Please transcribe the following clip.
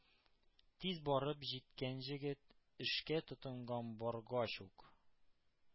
Тиз барып җиткән Җегет, эшкә тотынган баргач ук,